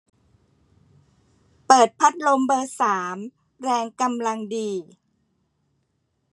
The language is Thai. เปิดพัดลมเบอร์สามแรงกำลังดี